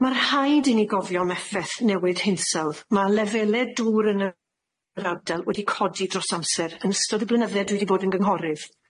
Ma' rhaid i ni gofio am effeth newid hinsawdd, ma' lefele dŵr yn yr ardal wedi codi dros amser yn ystod y blynydde dwi 'di bod yn gynghorydd.